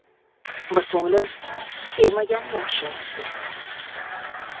bir ko'nglim sevmagani yaxshi derdi